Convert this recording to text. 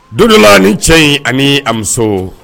Dondonna ni cɛ in ani a muso